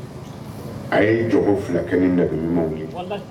A ye ja fila kɛ da ɲumanw ye